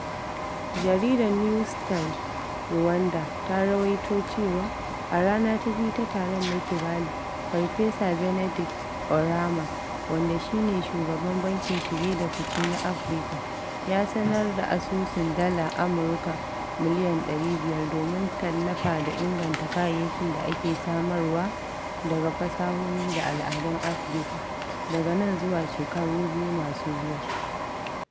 Jaridar News Times Rwanda ta rawaito cewa, a rana ta biyu ta taron na Kigali, Farfesa Benedict Oramah, wanda shi ne Shugaban Bankin Shige da Fice na Afirka, ya sanar da asusun Dalar Amurka miliyon 500 ''domin tallafa da inganta kayayyakin da ake samarwa daga fasahohi da al'adun Afirka, daga nan zuwa shekaru biyu masu zuwa.